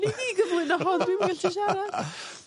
Neu' di gyflwyno hwn dwi'm gallu siarad.